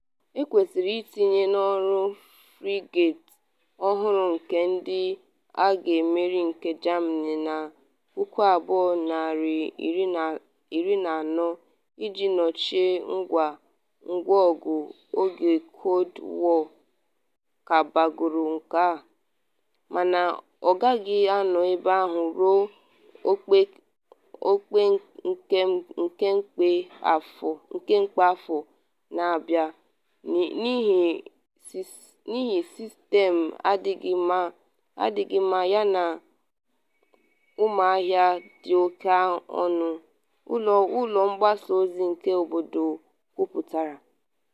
Ekwesịrị itinye n’ọrụ Frigate ọhụrụ nke Ndị Agha Mmiri nke Germany na 2014 iji nọchie ngwa ọgụ oge Cold War kabagoro nka, mana ọ gaghị anọ ebe ahụ ruo opekempe afọ na-abịa n’ihi sistem adịghị mma yana ọnụahịa dị oke ọnụ, ụlọ mgbasa ozi nke obodo kwuputara.